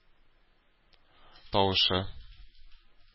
Тавышы